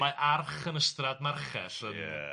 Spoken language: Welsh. Ma' arch yn ystrad marchell yn... Ia.